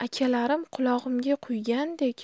akalarim qulog'imga quygandek